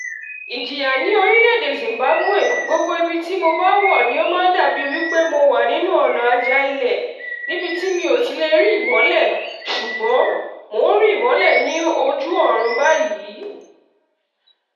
Ìjìyà ní orílẹ̀ èdè Zimbabwe, gbogbo ibi tí mo bá wò ni ó máa ń dàbí wípé mo wà nínú ọ̀nà-àjà-ilẹ̀ níbi tí mi ò ti lè rí ìmọ́lẹ̀ ṣùgbọ́n, mo ń rí ìmọ́lẹ̀ ní ojú ọ̀run báyìí.